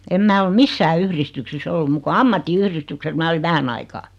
en minä ole missään yhdistyksissä ollut muuta kuin ammattiyhdistyksessä minä olin vähän aikaa